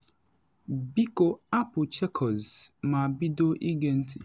Biko hapụ Chequers ma bido ịge ntị.’